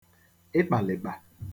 ịkpàlị̀kpà